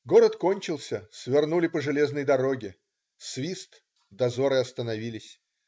Город кончился - свернули по железной дороге. Свист - дозоры остановились.